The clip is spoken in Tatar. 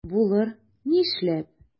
Булыр, нишләп?